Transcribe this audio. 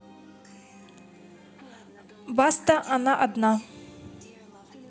баста она одна